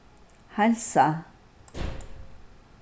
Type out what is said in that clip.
heilsa